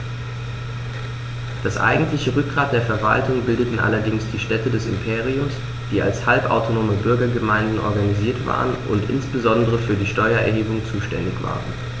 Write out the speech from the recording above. Das eigentliche Rückgrat der Verwaltung bildeten allerdings die Städte des Imperiums, die als halbautonome Bürgergemeinden organisiert waren und insbesondere für die Steuererhebung zuständig waren.